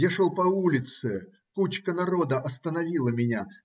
Я шел по улице, кучка народа остановила меня.